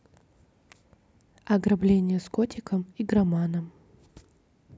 ограбление с котиком игроманом